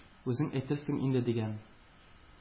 Үзең әйтерсең инде,— дигән.